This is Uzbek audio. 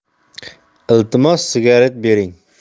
iltimos sigaret bering